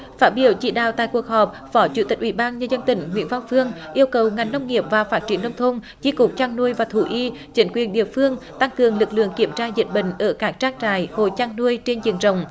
phát biểu chỉ đạo tại cuộc họp phó chủ tịch ủy ban nhân dân tỉnh nguyễn văn phương yêu cầu ngành nông nghiệp và phát triển nông thôn chi cục chăn nuôi và thú y chính quyền địa phương tăng cường lực lượng kiểm tra dịch bệnh ở các trang trại hộ chăn nuôi trên diện rộng